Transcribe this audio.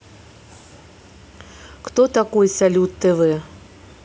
кто такой салют тв